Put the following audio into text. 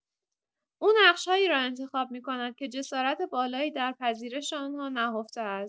او نقش‌هایی را انتخاب می‌کند که جسارت بالایی در پذیرش آن‌ها نهفته است.